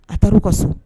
A taara' u ka so